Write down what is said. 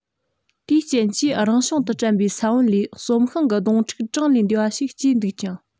དེའི རྐྱེན གྱིས རང བྱུང དུ གྲམ པའི ས བོན ལས གསོམ ཤིང གི སྡོང ཕྲུག གྲངས ལས འདས པ ཞིག སྐྱེས འདུག ཅིང